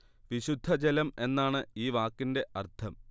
വിശുദ്ധ ജലം എന്നാണ് ഈ വാക്കിന്റെ അർത്ഥം